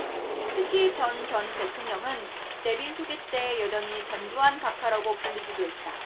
특히 전 전 대통령은 내빈 소개 때 여전히 전두환 각하라고 불리기도 했다